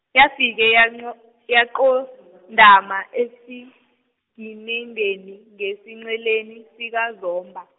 yafike yanqo-, yaqondama, esiginindeni ngesinceleni sikaZomba.